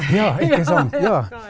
ja ikke sant ja.